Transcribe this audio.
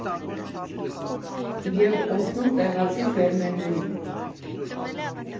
ԵՒ օգնում տեղացի ֆերմերներին։